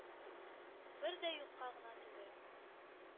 Бер дә юкка гына түгел